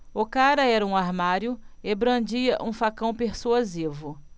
o cara era um armário e brandia um facão persuasivo